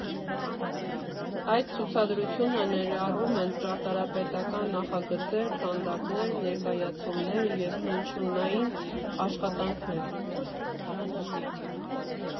Այս ցուցադրությունները ներառում են ճարտարապետական նախագծեր, քանդակներ, ներկայացումներ և հնչյունային աշխատանքներ։